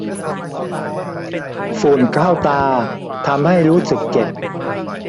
ฝุ่นเข้าตาทำให้รู้สึกเจ็บ